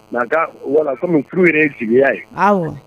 Naka, wala kɔmi furu yɛrɛ ye jigiya ye!